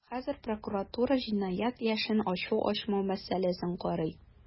Хәзер прокуратура җинаять эшен ачу-ачмау мәсьәләсен карый.